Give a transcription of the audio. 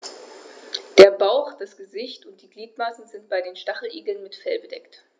Der Bauch, das Gesicht und die Gliedmaßen sind bei den Stacheligeln mit Fell bedeckt.